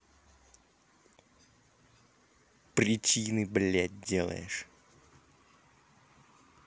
причины блядь делаешь